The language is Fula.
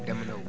Demba Ndaw